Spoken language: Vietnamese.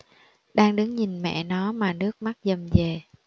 đang đứng nhìn mẹ nó mà nước mắt dầm dề